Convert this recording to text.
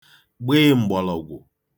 gbịị m̀gbọ̀lọ̀gwụ̀